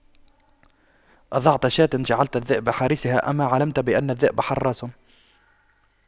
أضعت شاة جعلت الذئب حارسها أما علمت بأن الذئب حراس